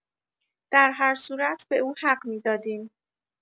در هر صورت به او حق می‌دادیم.